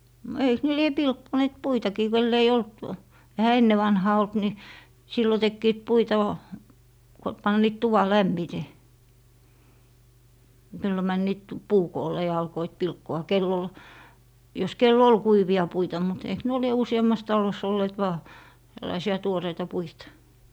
no eikös ne lie pilkkoneet puitakin kenellä ei ollut eihän ennen vanhaan ollut niin silloin tekivät puita vain kun panivat tuvan lämmite silloin menivät puukoolle ja alkoivat pilkkoa kenellä oli jos kenellä oli kuivia puita mutta eikö nuo lie useammassa talossa olleet vain tällaisia tuoreita puita